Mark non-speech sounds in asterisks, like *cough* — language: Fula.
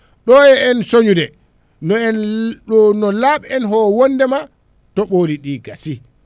ɗo e en cooñde ma en *hesitation* no laaɓi en ho wondema tooɓoli gassi